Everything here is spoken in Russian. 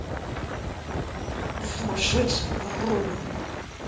ты сумасшедшая корона